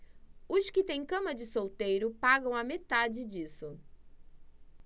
os que têm cama de solteiro pagam a metade disso